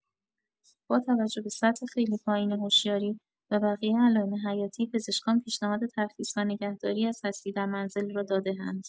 با توجه به سطح خیلی پایین هوشیاری و بقیه علایم حیاتی، پزشکان پیشنهاد ترخیص و نگه‌داری از هستی در منزل را داده‌اند.